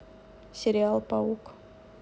сериал паук